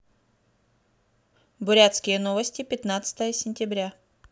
бурятские новости пятнадцатое сентября